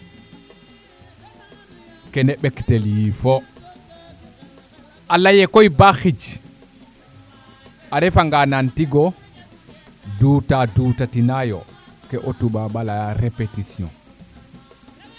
kene mbektel yifo a leye koy baa xij a refa nga naan tigo duta duta tina yo ke o toubab a leya repetition